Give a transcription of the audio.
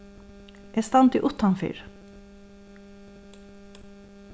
eg standi uttanfyri